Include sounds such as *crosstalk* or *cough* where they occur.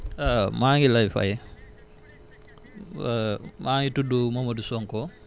*hesitation* maa ngi lay fay *hesitation* maa ngi tudd Momadou Sonko